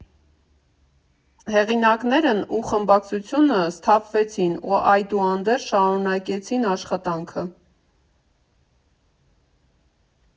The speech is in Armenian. Հեղինակներն ու խմբագրությունը սթափվեցին ու, այդուհանդերձ, շարունակեցին աշխատանքը։